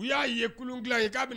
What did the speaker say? U y'a ye kolon dilan ye